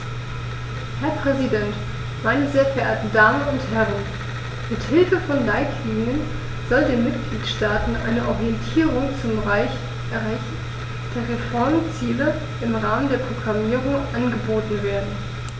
Herr Präsident, meine sehr verehrten Damen und Herren, mit Hilfe von Leitlinien soll den Mitgliedstaaten eine Orientierung zum Erreichen der Reformziele im Rahmen der Programmierung angeboten werden.